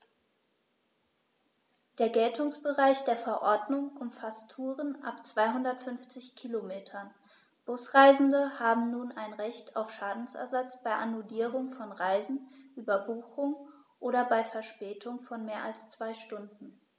Der Geltungsbereich der Verordnung umfasst Touren ab 250 Kilometern, Busreisende haben nun ein Recht auf Schadensersatz bei Annullierung von Reisen, Überbuchung oder bei Verspätung von mehr als zwei Stunden.